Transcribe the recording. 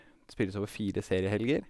Det spilles over fire seriehelger.